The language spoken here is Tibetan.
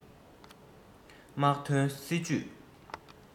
དམག དོན སྲིད ཇུས